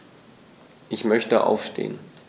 Ich möchte aufstehen.